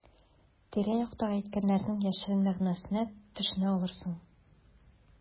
Тирә-яктагылар әйткәннәрнең яшерен мәгънәсенә төшенә алырсың.